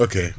ok